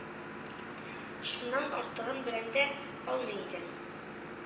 Шуннан артыгын белә дә алмый иде.